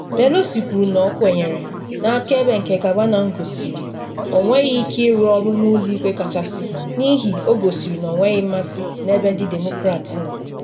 Pelosi kwuru na ọ kwenyere na akaebe nke Kavanaugh gosiri ọ nweghị ike ịrụ ọrụ na Ụlọ Ikpe Kachasị, n’ihi o gosiri na ọ nweghị mmasị n’ebe ndị Demokrat nọ.